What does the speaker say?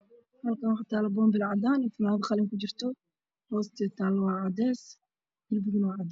Halkaan waxaa taalo boonbalo cadaan ah waxaa kujirto fanaanad qalin ah meesha ay taalo waa cadeys, darbiga waa cadeys.